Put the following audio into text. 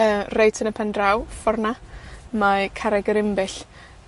yy reit yn y pen draw. Ffor' 'na, mae Carreg Yr Imbyll.